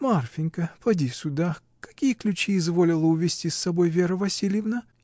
Марфинька, поди сюда: какие ключи изволила увезти с собой Вера Васильевна?